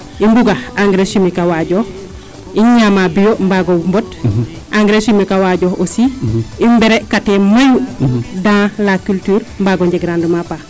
i mbuga engrais chimique a waajoox i ñaama bio mbaago mbond engrais chimique a waajoox aussi i frais katee mayu dans la culture mbaago njeg rendement paax